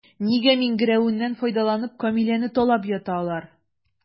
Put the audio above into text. Нигә миңгерәюеннән файдаланып, Камиләне талап ята алар?